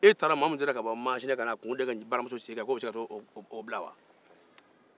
e t'a dɔn k'a fɔ ko mɔgɔ sera ka bɔ masina ka n'a kun da e ka baramuso sen kan k'o bɛ se ka taa o bila wa